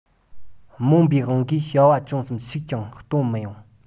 རྨོངས པའི དབང གིས བྱ བ ཅུང ཟད འཕྱུགས ཀྱང སྟོ མི ཡོང